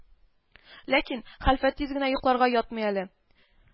Ләкин хәлфә тиз генә йокларга ятмый әле